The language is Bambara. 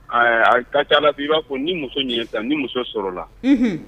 A ka la i b'a fɔ ni muso san ni muso sɔrɔla la